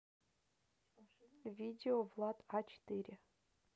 видео влад а четыре